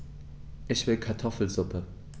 Ich will Kartoffelsuppe.